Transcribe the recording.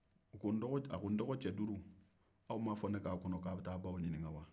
a ko n dɔgɔ cɛ duuru aw ma fɔ ne k'a kɔnɔ ko a bɛ taa a baw ɲinika wa